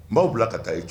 N'aw bila ka taa i jɔ